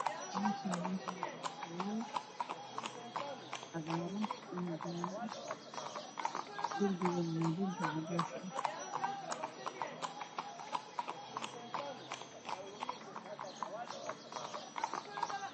Meeshaan waxaa yaalo cagoor cagaaran iyo jaalle ah darbiga waa darbi cadays ah.